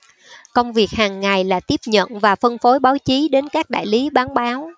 công việc hằng ngày là tiếp nhận và phân phối báo chí đến các đại lý bán báo